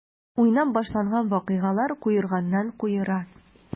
Уйнап башланган вакыйгалар куерганнан-куера.